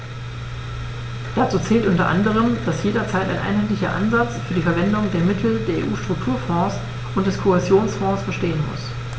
Dazu zählt u. a., dass jederzeit ein einheitlicher Ansatz für die Verwendung der Mittel der EU-Strukturfonds und des Kohäsionsfonds bestehen muss.